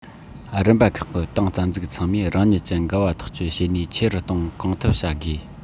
རིམ པ ཁག གི ཏང རྩ འཛུགས ཚང མས རང ཉིད ཀྱི འགལ བ ཐག གཅོད བྱེད ནུས ཆེ རུ གཏོང གང ཐུབ བྱ དགོས